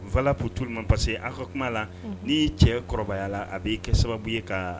Valable pour tout le monde parce que aw ka kuma la n'i cɛ kɔrɔbaya la a b'i kɛ sababu ye ka